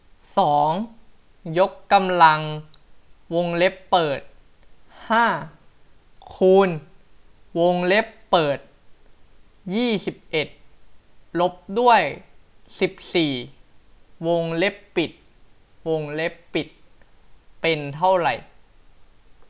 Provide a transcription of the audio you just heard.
สองยกกำลังวงเล็บเปิดห้าคูณวงเล็บเปิดยี่สิบเอ็ดลบด้วยสิบสี่วงเล็บปิดวงเล็บปิดเป็นเท่าไร